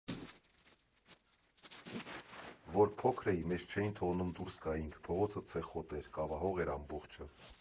Որ փոքր էի, մեզ չէին թողում դուրս գայինք, փողոցը ցեխոտ էր, կավահող էր ամբողջը։